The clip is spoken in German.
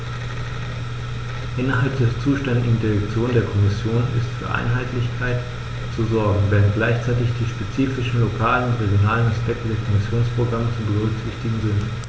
Innerhalb der zuständigen Direktion der Kommission ist für Einheitlichkeit zu sorgen, während gleichzeitig die spezifischen lokalen und regionalen Aspekte der Kommissionsprogramme zu berücksichtigen sind.